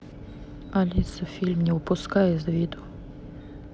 алиса фильм не упускай из виду